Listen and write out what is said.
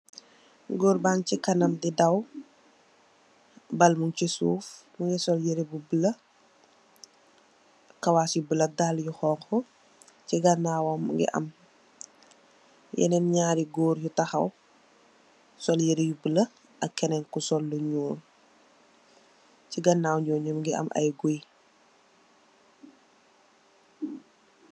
Góor baa ngi si kanam di daw, bal muñ ci suuf, mu ngi sol yire bu bulo, kawaasi bulo, dallë yu xonxu. Ci ganaawam ...yenen ñaari goor a ngi toog, sol yire yu bulo, ku sol lu ñuul, ci ganaaw ñooñu ...mu ngi am ay goye